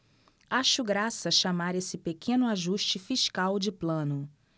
acho graça chamar esse pequeno ajuste fiscal de plano